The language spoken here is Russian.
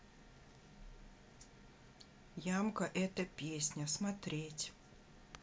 ямка это песня смотреть